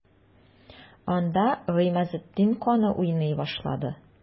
Анда Гыймазетдин каны уйный башлады.